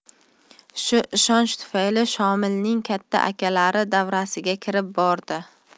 shu ishonch tufayli shomilning katta akalari davrasiga kirib bordi